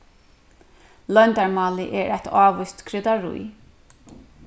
loyndarmálið er eitt ávíst kryddarí